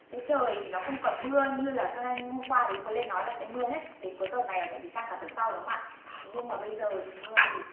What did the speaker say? thấy trời thì nó không còn mưa như là xuân anh hôm qua đứng lên nói là sẽ mưa hết đến cuối tuần này tại và sang cả tuần sau nữa đúng không ạ nhưng mà bây giờ thì mưa thì